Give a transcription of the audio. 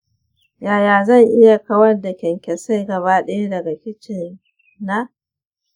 yaya zan iya kawar da kyankyasai gaba ɗaya daga kicin na?